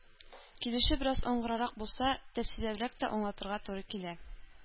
Килүче бераз аңгырарак булса, тәфсилләбрәк тә аңлатырга туры килә.